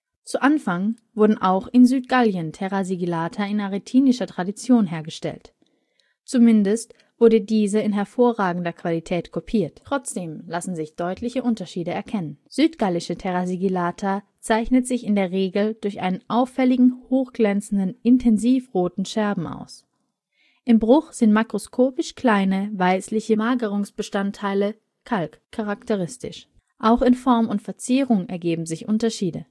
Zu Anfang wurde auch in Südgallien Terra Sigillata in arretinischer Tradition hergestellt. Zumindest wurde diese in hervorragender Qualität kopiert. Trotzdem lassen sich deutliche Unterschiede erkennen. Südgallische TS zeichnet sich in der Regel durch einen auffälligen, hochglänzenden, intensivroten Scherben aus. Im Bruch sind makroskopisch kleine, weißliche Magerungsbestandteile (Kalk) charakteristisch. Auch in Form und Verzierung ergeben sich Unterschiede